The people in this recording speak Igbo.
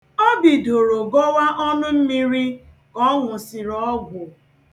O bidoro gọwa ọnụmmiri ka ọ ṅụsịrị ọgwụ.